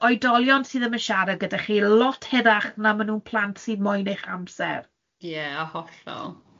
A ma' nhw'n oedolion sy' ddim yn siarad gyda chi lot hirach na ma' nhw'n plant sy' moyn eich amser. Ie, hollol. Ie.